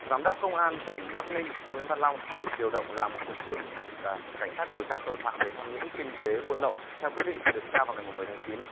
giám đốc công an tỉnh bắc ninh nguyễn văn long được điều động làm cục trưởng cục cảnh sát điều tra tội phạm về tham nhũng kinh tế buôn lậu theo quyết định được trao vào ngày mùng mười tháng chín